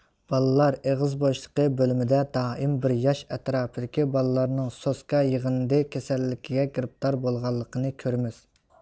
بالىلار ئېغىز بوشلۇقى بۆلۈمىدە دائىم بىر ياش ئەتراپىدىكى بالىلارنىڭ سوسكا يىغىندى كېسەللىكىگە گىرىپتار بولغانلىقىنى كۆرىمىز